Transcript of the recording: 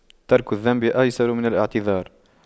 ترك الذنب أيسر من الاعتذار